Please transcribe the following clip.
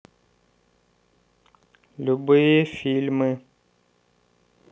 любые фильмы